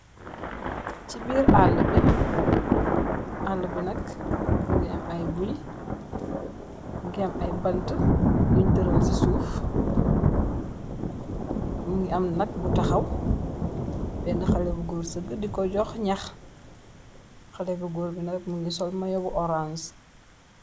ci biir àllu bi àllu bi nak mu ngi am ay guy mngi am ay bant tuh yuñ tëral ci suuf mu ngi am nag bu taxaw bénn xalé bu góor sëgg di ko jox ñyax xalé bu góor bi nak mungi sol mayo bu orange.